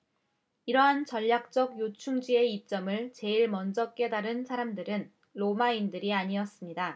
이러한 전략적 요충지의 이점을 제일 먼저 깨달은 사람들은 로마인들이 아니었습니다